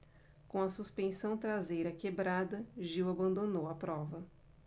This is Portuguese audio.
com a suspensão traseira quebrada gil abandonou a prova